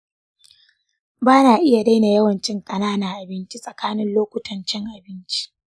ba na iya daina yawan cin ƙananan abinci tsakanin lokutan cin abinci